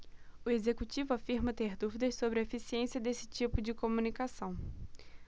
o executivo afirma ter dúvidas sobre a eficiência desse tipo de comunicação